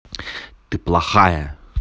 ты плохая